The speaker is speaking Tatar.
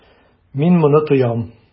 Мин моны тоям.